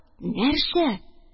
– нәрсә?